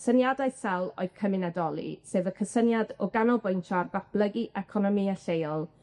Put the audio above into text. Syniadau Sel oedd cymunedoli, sef y cysyniad o ganolbwyntio ar ddatblygu economïe lleol